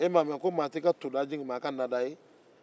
e m'a mɛn ko maa t'i ka stodaa jigin maa ka nadaga ye